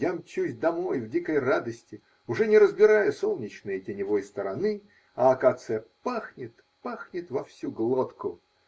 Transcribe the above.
Я мчусь домой в дикой радости, уже не разбирая солнечной и теневой стороны, а акация пахнет, пахнет во всю глотку.